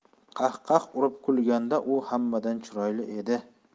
qahqaha urib kulganidan u hammadan chiroyli edi